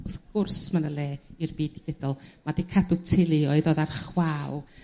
wrth gwrs ma' 'na le i'r byd digidol ma' 'di cadw teuluoedd o'dd ar chwal